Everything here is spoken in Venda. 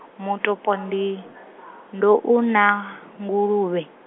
mutupo ndi, nḓou na, Nguluvhe.